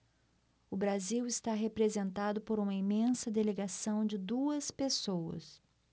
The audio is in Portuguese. o brasil está representado por uma imensa delegação de duas pessoas